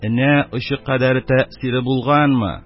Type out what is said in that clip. Инә очы кадәре тәэсире булганмы?